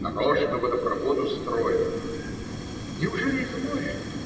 Нарочно водопровод устроил. - Неужели из моря?